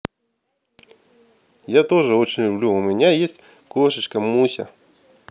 я тоже очень люблю у меня есть кошечка муся